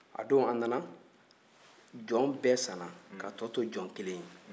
a don a nana jɔn bɛɛ sanna k'a tɔ to jɔn kelen ye